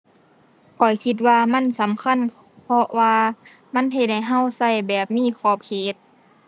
ข้อยคิดว่ามันสำคัญ เพราะว่ามันเฮ็ดให้เราเราแบบมีขอบเขต